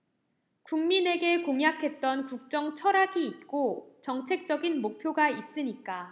국민에게 공약했던 국정 철학이 있고 정책적인 목표가 있으니까